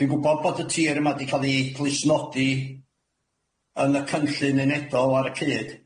Dwi'n gwbod bod y tir yma di ca'l i glustnodi yn y cynllun unedol ar y cyd.